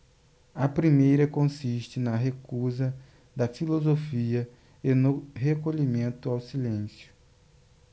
a primeira consiste na recusa da filosofia e no recolhimento ao silêncio